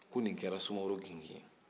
ko nin kɛra sumaworo gigin ye